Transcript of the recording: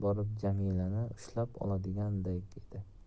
borib jamilani ushkab oladigandek edi